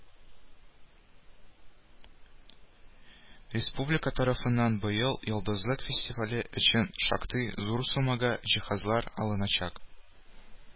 “республика тарафыннан быел “йолдызлык” фестивале өчен шактый зур суммага җиһазлар алыначак